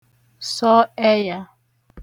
sọ ẹyā